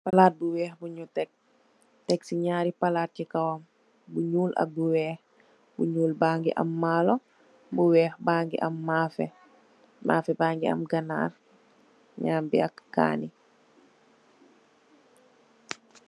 palat bu weex buñ tek, tek ci nyarri palat bu ñuul ak bu weex bu ñuul bangi am malo bu weex bangi am mafeh, mafeh bangi am ganar, nyambi ak kane